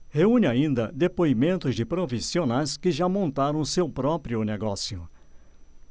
reúne ainda depoimentos de profissionais que já montaram seu próprio negócio